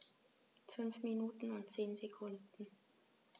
5 Minuten und 10 Sekunden